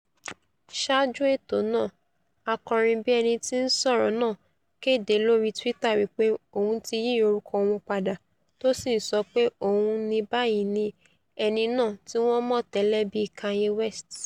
Saájú ètò náà, akọrinbíẹnití-ń-sọ̀rọ̀ náà kéde lori Twitter wí pé òun ti yí orúkọ òun pada, tósì ńsọ pé òun ní báyìí ni ''ẹni náà tíwọ́n mọ̀ tẹ́lệ bíi Kanye West.''